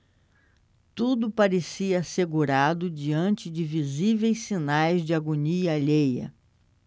tudo parecia assegurado diante de visíveis sinais de agonia alheia